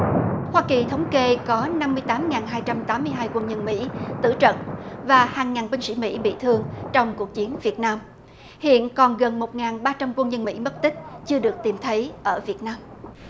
hoa kỳ thống kê có năm mươi tám ngàn hai trăm tám mươi hai quân nhân mỹ tữ trận và hàng ngàn binh sĩ mỹ bị thương trong cuộc chiến việt nam hiện còn gần một ngàn ba trăm công dân mỹ mất tích chưa được tìm thấy ở việt nam